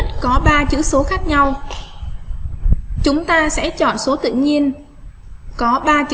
nhất có ba chữ số khác nhau chúng ta sẽ chọn số tự nhiên có